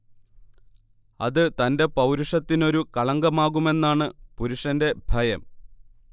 അത് തന്റെ പൌരുഷത്തിനൊരു കളങ്കമാകുമെന്നാണ് പുരുഷന്റെ ഭയം